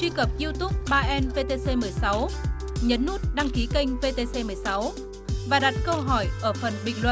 truy cập diu túp ba en vê tê xê mười sáu nhấn nút đăng ký kênh vê tê xê mười sáu và đặt câu hỏi ở phần bình luận